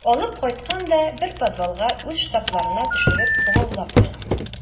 Алып кайткан да бер подвалга үз штабларына төшереп богаулап куйган.